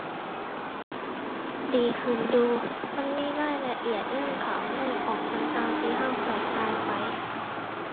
ดีขึ้นอยู่ มันมีรายละเอียดเงินเข้าเงินออกต่างต่าง ที่เราเราจ่ายไป